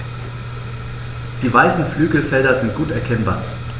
Die weißen Flügelfelder sind gut erkennbar.